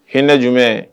Hinɛ jumɛn?